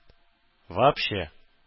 Вообще